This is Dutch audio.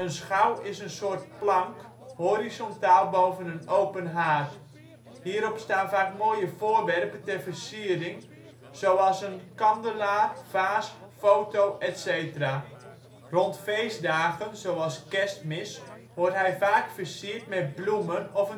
schouw is een soort plank horizontaal boven een open haard. Hierop staan vaak mooie voorwerpen ter versiering zoals een kandelaar, vaas, foto etc. Rond feestdagen zoals kerstmis wordt hij vaak versierd met bloemen of